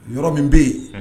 Yɔrɔ min bɛ yen